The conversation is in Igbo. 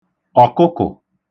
ọ̀kụkụ̀